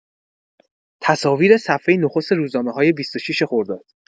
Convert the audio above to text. تصاویر صفحه نخست روزنامه‌های ۲۶ خرداد